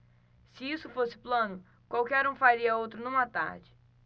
se isso fosse plano qualquer um faria outro numa tarde